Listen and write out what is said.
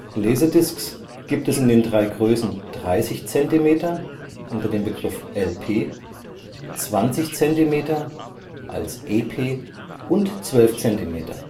LDs gibt es in den drei Größen 30 cm (LP), 20 cm (EP) und 12 cm